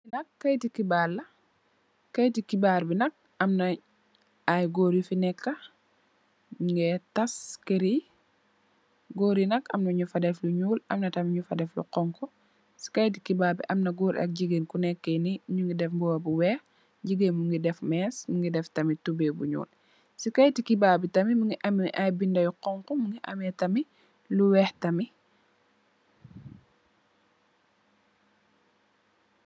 Li nak keyti xibaar la keyti xibaar nak amna ay goor yufi neka nyugeh tass keuri goori nak amna nyu fa def lu nuul amna tamit nyu fa def lu xonxu si keyti xibaar bi amna goor ak jigéen ko neke nee nyungi def mbuba bu weex jigeen bi mogi def mess mongi def tamit tubay bu nuul si keyti xibaar bi tamit mongi ame ay binda yu xonxu mogi ame tamit lu weex tamit.